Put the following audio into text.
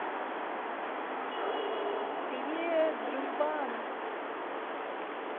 привет дружбан